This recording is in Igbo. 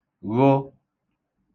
g̣hụ